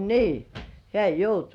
niin hän joutui